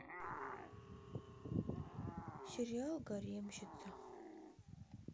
сериал гаремщица